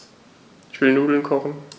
Ich will Nudeln kochen.